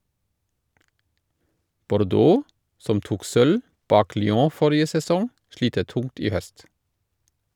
Bordeaux, som tok sølv bak Lyon forrige sesong, sliter tungt i høst.